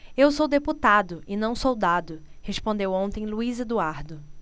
eu sou deputado e não soldado respondeu ontem luís eduardo